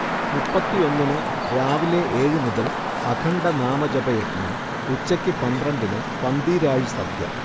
മുപ്പത്തിയൊന്നിന് രാവിലെ ഏഴുമുതൽ അഖണ്ഡ നാമജപയജ്ഞം, ഉച്ചയ്ക്ക് പന്ത്രണ്ടിന് പന്തീരാഴി സദ്യ